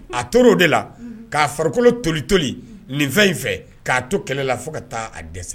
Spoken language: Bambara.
A tora o de la k'a farikolo toli toli nin fɛn in fɛ k'a to kɛlɛla fo ka taa a dɛsɛ